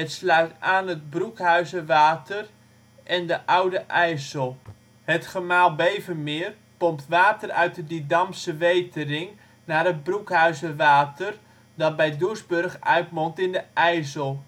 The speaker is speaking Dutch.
sluit aan het Broekhuizerwater en de Oude IJssel. Het " Gemaal Bevermeer " pompt water uit de Didamsche Wetering naar het Broekhuizerwater, dat bij Doesburg uitmondt in de IJssel